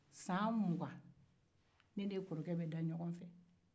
ne ni e kɔrɔkɛ be da ɲɔgɔn fɛ san mugan